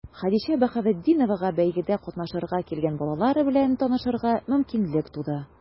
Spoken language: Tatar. Хәдичә Баһаветдиновага бәйгедә катнашырга килгән балалар белән танышырга мөмкинлек туды.